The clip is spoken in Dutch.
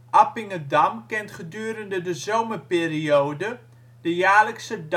Appingedam kent gedurende de zomerperiode de jaarlijkse Damster